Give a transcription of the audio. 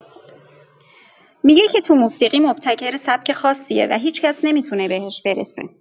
می‌گه که تو موسیقی مبتکر سبک خاصیه و هیچ‌کس نمی‌تونه بهش برسه.